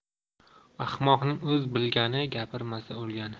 ahmoqning o'z bilgani gapirmasa o'lgani